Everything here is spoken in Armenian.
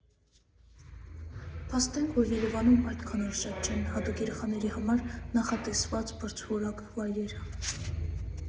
Փաստենք, որ Երևանում այդքան էլ շատ չեն հատուկ երեխաների համար նախատեսված բարձրորակ վայրերը։